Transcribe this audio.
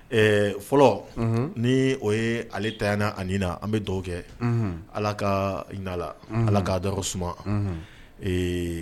Fɔlɔ ni o ye ali taana ani na an bɛ dɔw kɛ ala ka ala k ka dɔgɔ suma